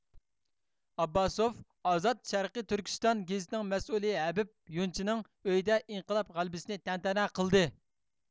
ئابباسوف ئازاد شەرقىي تۈركىستان گېزىتىنىڭ مەسئۇلى ھەبىب يۇنچنىڭ ئۆيىدە ئىنقىلاب غەلىبىسىنى تەنتەنە قىلدى